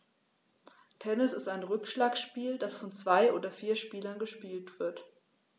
Tennis ist ein Rückschlagspiel, das von zwei oder vier Spielern gespielt wird.